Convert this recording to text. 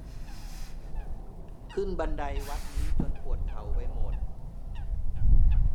ขึ้นบันไดวัดนี้จนปวดเข่าไปหมด